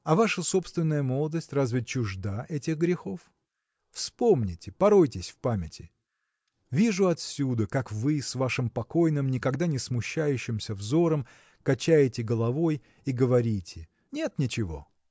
А ваша собственная молодость разве чужда этих грехов? Вспомните, поройтесь в памяти. Вижу отсюда как вы с вашим покойным никогда не смущающимся взором качаете головой и говорите нет ничего!